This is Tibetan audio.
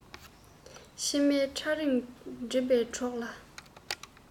ཕྱི མའི འཕྲང རིང འགྲིམ པའི གྲོགས ལ